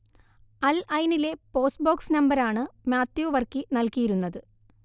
അൽ ഐ നിലെ post box നമ്പരാണ് മാത്യു വർക്കി നൽകിയിരുന്നത്